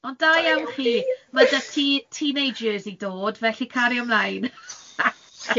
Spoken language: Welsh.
O da iawn chi, ma' 'da ti teenagers i dod, felly cario ymlaen!